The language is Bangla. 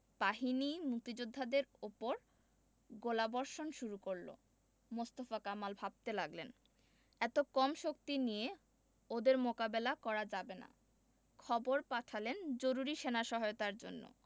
বাহিনী মুক্তিযোদ্ধাদের উপর গোলাবর্ষণ শুরু করল মোস্তফা কামাল ভাবতে লাগলেন এত কম শক্তি নিয়ে ওদের মোকাবিলা করা যাবে না খবর পাঠালেন জরুরি সেনা সহায়তার জন্য